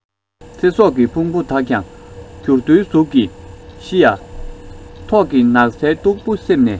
ཚེ སྲོག གི ཕུང པོ དག ཀྱང འགྱུར རྡོའི གཟུགས ཀྱིས ཤི ཡ ཐོག གི ནགས ཚལ སྟུག པོའི གསེབ ནས